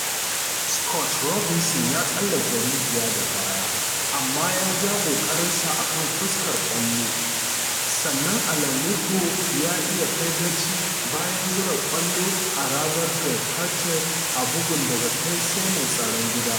Scott Robinson ya tsallake rijiya da baya amma ya ja ƙoƙarinsa a kan fuskar kwallo, sannan Alan Lithgow ya iya kai gaci bayan ya zura kwallo a ragar Craig Halkett a bugun daga kai sai mai tsaron gida.